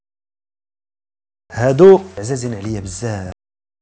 هدوء